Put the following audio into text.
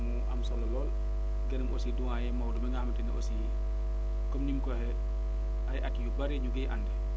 mu am solo lool gërëm aussi doyen Maodo mi nga xam te ne aussi comme ni nga ko waxee ay at yu bëri ñu ngi ànd